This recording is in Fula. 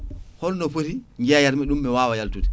holno foti jeeyatmi ɗum mi wawa yaltude